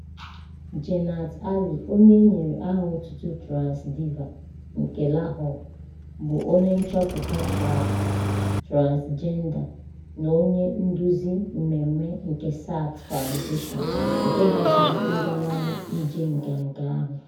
Jannat Ali, onye e nyere aha otutu Trans Diva nke Lahore, bụ onye nchọputa Track Transgender na Onye Nduzi Mmemme nke Sathi Foundation nke haziri Ngagharị Ije Nganga ahụ.